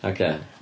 Ocê.